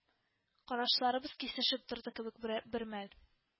Карашларыбыз кисешеп торды кебек бер бермәл